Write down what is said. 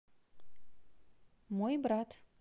мой брат